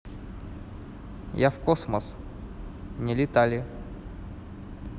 я в космос не летали